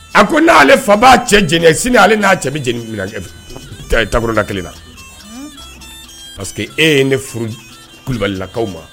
A ko n'ale fa b'a cɛ janya sini ale n'a cɛ bɛ jeni takurunda kelen na parce que e ye ne furu Kulubalilakaw ma